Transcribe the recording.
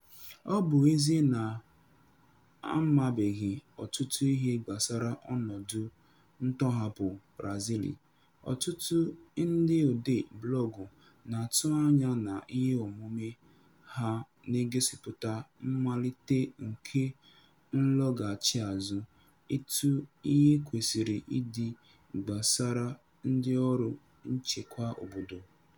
Ọ bụ ezie na a mabeghị ọtụtụ ihe gbasara ọnọdụ ntọhapụ Razily, ọtụtụ ndị odee blọọgụ na-atụ anya na iheomume a na-egosịpụta mmalite nke nlọghachiazụ etu ihe kwesịrị ịdị gbasara ndịọrụ nchekwa obodo.